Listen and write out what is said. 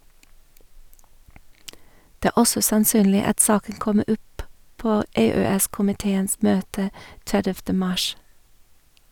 Det er også sannsynlig at saken kommer opp på EØS-komiteens møte 30. mars.